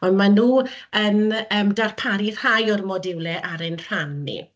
Ond maen nhw yn yym darparu rhai o'r modiwlau ar ein rhan ni.